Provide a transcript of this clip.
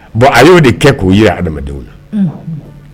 Bon a y'o de kɛ k' u ye adamadamadenw na